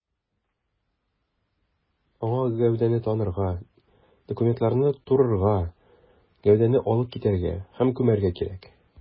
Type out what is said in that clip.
Аңа гәүдәне танырга, документларны турырга, гәүдәне алып китәргә һәм күмәргә кирәк.